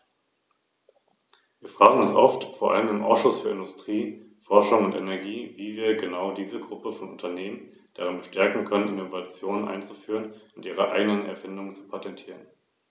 Natürlich akzeptieren wir diesen Änderungsantrag, er ist völlig vernünftig, und ich glaube, es müssen konkrete Situationen in Betracht gezogen werden, die von der klimatischen Verschiedenartigkeit der Europäischen Union zeugen, die manchmal bei der Prüfung der Normungen und Charakterisierungen technischer Art in spezifische Festlegungen und konkrete Anforderungen umgesetzt werden.